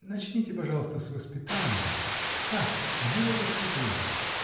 Начните, пожалуйста, с воспитания. Как, где вы воспитывались?